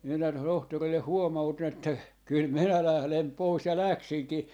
minä tohtorille huomautin että kyllä minä lähden pois ja läksinkin